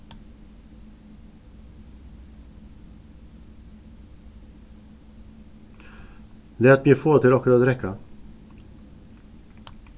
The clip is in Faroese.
lat meg fáa tær okkurt at drekka